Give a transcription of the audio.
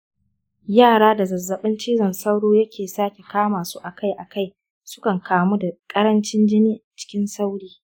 yara da zazzabin cizon sauro yake sake kama su akai-akai sukan kamu da ƙarancin jini cikin sauri.